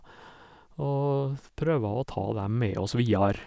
Og prøver å ta dem med oss videre.